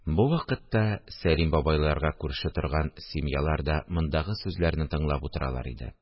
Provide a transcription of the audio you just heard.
Бу вакытта Сәлим бабайларга күрше торган семьялар да мондагы сүзләрне тыңлап утыралар иде